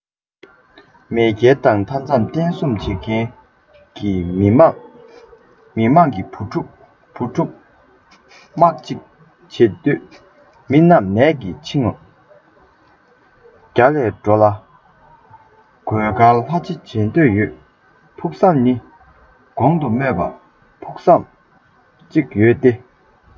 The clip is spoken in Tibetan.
མེས རྒྱལ དང མཐའ མཚམས བརྟན སྲུང བྱེད མཁན གྱི མི དམངས མི དམངས ཀྱི བུ ཕྲུག བུ ཕྲུག དམག ཅིག བྱེད འདོད མི རྣམས ནད ཀྱི འཆིང རྒྱ ལས འགྲོལ གོས དཀར ལྷ ཆེ བྱེད འདོད ཡོད ཕུགས བསམ ནི གོང དུ སྨོས པ ཕུགས བསམ གཅིག ཡོད དེ